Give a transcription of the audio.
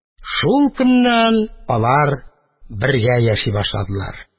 Шул көннән алар бергә яши башладылар.